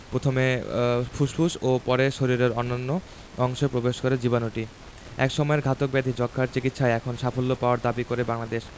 প্রথমে ফুসফুসে ও পরে শরীরের অন্য অংশেও প্রবেশ করে এ জীবাণু একসময়ের ঘাতক ব্যাধি যক্ষ্মার চিকিৎসায় এখন সাফল্য পাওয়ার দাবি করে বাংলাদেশ